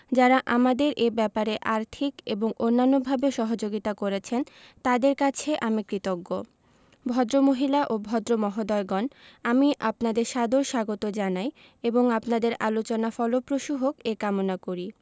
যারা আমাদের এ ব্যাপারে আর্থিক এবং অন্যান্যভাবে সহযোগিতা করেছেন তাঁদের কাছে আমি কৃতজ্ঞ ভদ্রমহিলা ও ভদ্রমহোদয়গণ আমি আপনাদের সাদর স্বাগত জানাই এবং আপনাদের আলোচনা ফলপ্রসূ হোক এ কামনা করি